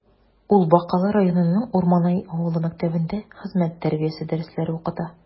Ул Бакалы районының Урманай авылы мәктәбендә хезмәт тәрбиясе дәресләре укыта.